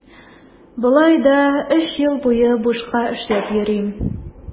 Болай да өч ел буе бушка эшләп йөрим.